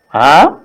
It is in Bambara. A